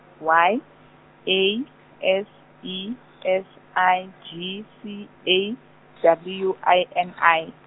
Y, A, S E S I G C A, W I N I.